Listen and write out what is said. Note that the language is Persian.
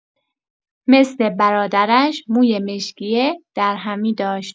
مثل برادرش، موی مشکی درهمی داشت.